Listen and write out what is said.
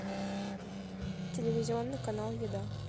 телевизионный канал еда